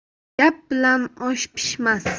gap bilan osh pishmas